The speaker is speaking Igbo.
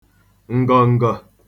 ǹgọ̀ǹgọ̀